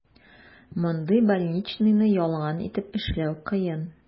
Мондый больничныйны ялган итеп эшләү кыен.